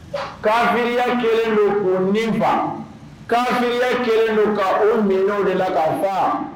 Kariya kelen don' ninfa kariya kelen don ka u minɛw de la ka faa